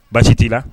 Baasi t'i la